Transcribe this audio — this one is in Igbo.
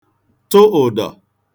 tụ ụ̀dọ̀